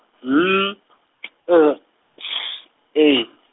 N U Š E.